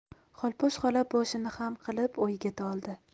xolposh xola boshini xam qilib o'yga toldi